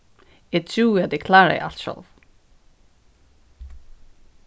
eg trúði at eg kláraði alt sjálv